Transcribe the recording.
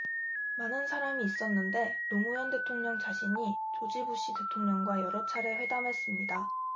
많은 사람이 있었는데 노무현 대통령 자신이 조지 부시 대통령과 여러 차례 회담했습니다